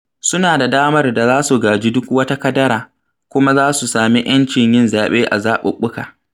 Suna da damar da su gaji duk wata kadara kuma za su sami 'yancin yin zaɓe a zaɓuɓɓuka.